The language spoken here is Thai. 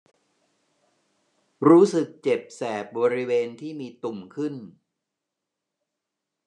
รู้สึกเจ็บแสบบริเวณที่มีตุ่มขึ้น